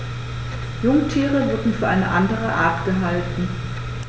Jungtiere wurden für eine andere Art gehalten.